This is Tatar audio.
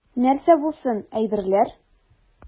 Нәрсә булсын, әйберләр.